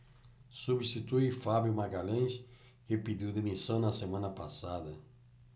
substitui fábio magalhães que pediu demissão na semana passada